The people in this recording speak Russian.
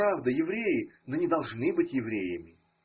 правда, евреи, но не должны быть евреями.